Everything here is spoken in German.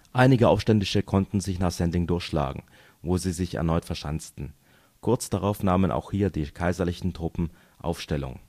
Einige Aufständische konnten sich nach Sendling durchschlagen, wo sie sich erneut verschanzten. Kurz darauf nahmen auch hier die kaiserlichen Truppen Aufstellung